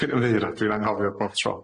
Dwi'n ymddiheuro, dwi'n anghofio pob tro.